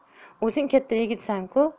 o'zing katta yigitsan ku